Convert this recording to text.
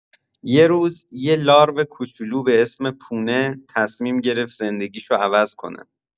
یه روز، یه لارو کوچولو به اسم پونه تصمیم گرفت زندگی‌شو عوض کنه.